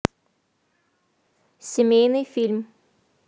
семейный фильм